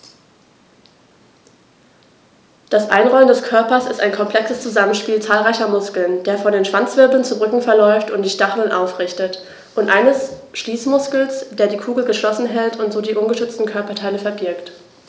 Das Einrollen des Körpers ist ein komplexes Zusammenspiel zahlreicher Muskeln, der von den Schwanzwirbeln zum Rücken verläuft und die Stacheln aufrichtet, und eines Schließmuskels, der die Kugel geschlossen hält und so die ungeschützten Körperteile verbirgt.